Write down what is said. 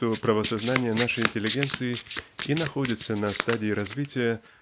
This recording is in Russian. что правосознание нашей интеллигенции и находится на стадии развития